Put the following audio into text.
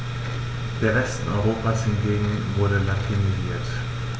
Der Westen Europas hingegen wurde latinisiert.